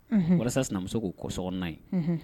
Walasa sinamuso ko kosɔnna ye